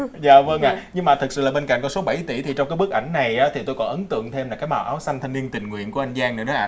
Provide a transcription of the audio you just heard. dạ vâng ạ nhưng mà thực sự là bên cạnh con số bảy tỷ thì trong cái bức ảnh này á thì tôi có ấn tượng thêm cả màu áo xanh thanh niên tình nguyện của anh giang nữa đó ạ